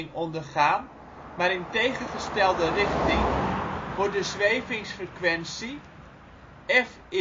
ondergaan, maar in tegengestelde richting, wordt de zwevingsfrequentie: f = 4 ⋅ ω ⋅ A ⋅ v c ⋅ L ≈ 4 ⋅ A ⋅ ω λ ⋅ L {\ displaystyle f ={\ frac {4 \ cdot \ omega \ cdot A \ cdot v} {c \ cdot L}} \ approx {\ frac {4 \ cdot A \ cdot \ omega} {\ lambda \ cdot L}}} De